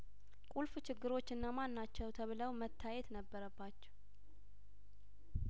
ቁልፍ ችግሮች እነማን ናቸው ተብለው መታየት ነበረባቸው